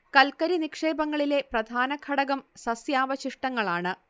കൽക്കരി നിക്ഷേപങ്ങളിലെ പ്രധാന ഘടകം സസ്യാവശിഷ്ടങ്ങളാണ്